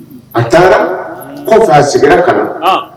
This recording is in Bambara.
A taara kɔ fa a sigira ka na